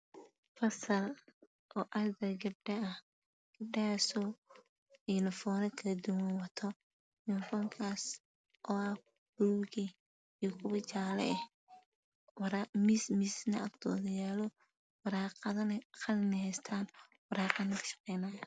Fasal Araday gabdho unifoon wataan kuwo jaalo miis Aya agyaalo waraaqo ayey oga shaqaynayaa